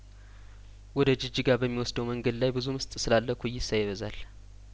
ወደ ጂጂጋ በሚወስደው መንገድ ላይ ብዙ ምስጥ ስላለ ኩይሳ ይበዛል